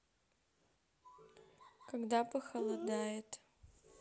когда похолодает